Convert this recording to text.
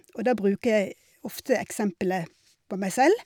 Og da bruker jeg ofte eksempelet på meg selv.